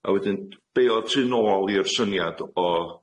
A wedyn be' o'dd tu nôl i'r syniad o